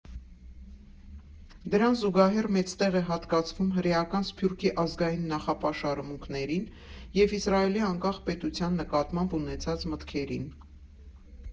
Դրան զուգահեռ մեծ տեղ է հատկացվում հրեական սփյուռքի ազգային նախապաշարմունքներին և Իսրայելի անկախ պետության նկատմամբ ունեցած մտքերին։